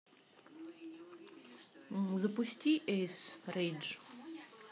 запусти эйс рейдж